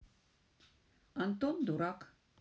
антон дурак